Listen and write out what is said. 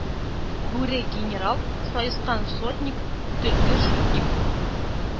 Бүре генерал, саескан сотник, төлке шутник,